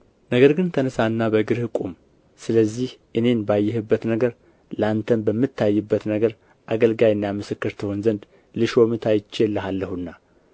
ነገር ግን ተነሣና በእግርህ ቁም ስለዚህ እኔን ባየህበት ነገር ለአንተም በምታይበት ነገር አገልጋይና ምስክር ትሆን ዘንድ ልሾምህ ታይቼልሃለሁና